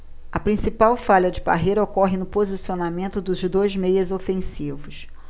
a principal falha de parreira ocorre no posicionamento dos dois meias ofensivos